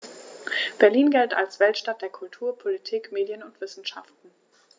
Berlin gilt als Weltstadt der Kultur, Politik, Medien und Wissenschaften.